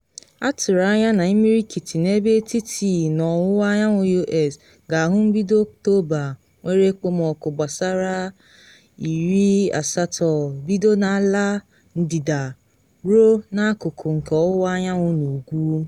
Atụrụ anya na imirikiti n’ebe etiti na ọwụwa anyanwụ U.S. ga-ahụ mbido Ọktọba nwere ekpomọkụ gbasara 80s bido na Ala Ndịda ruo n’akụkụ nke Ọwụwa anyanwụ na ugwu.